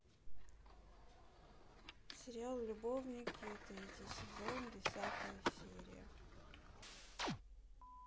сериал любовники третий сезон десятая серия